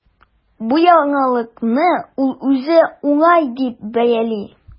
Бу яңалыкны ул үзе уңай дип бәяли.